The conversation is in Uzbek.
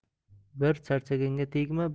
bir charchaganga tegma